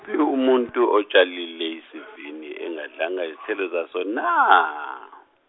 -phi umuntu otshalile isivini engadlanga izithelo zaso na?